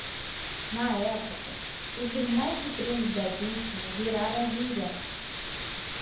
na época os irmãos e primos da vítima juraram vingança